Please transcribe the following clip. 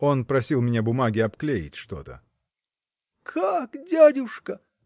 – Он просил у меня бумаги обклеить что-то. – Как, дядюшка?.